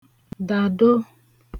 dàdo